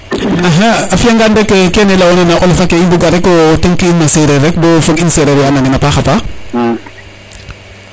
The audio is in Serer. axa a fiya ngan rek kene leyona na olofake i mbug a rek o tekk in na sereer rek bo fog in sereer we a nanin a paax